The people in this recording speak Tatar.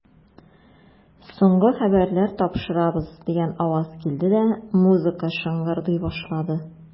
Соңгы хәбәрләр тапшырабыз, дигән аваз килде дә, музыка шыңгырдый башлады.